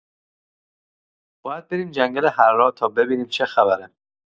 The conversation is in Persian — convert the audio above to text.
باید بریم جنگل حرا تا ببینیم چه خبره!